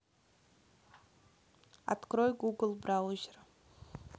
открой google браузер